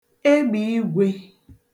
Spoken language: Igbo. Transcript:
egbeigwe